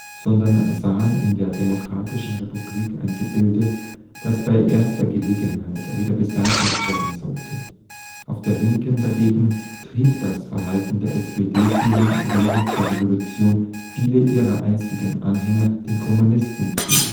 sondern sahen in der demokratischen Republik ein Gebilde, das bei erster Gelegenheit wieder beseitigt werden sollte. Auf der Linken dagegen trieb das Verhalten der SPD-Führung während der Revolution viele ihrer einstigen Anhänger den Kommunisten zu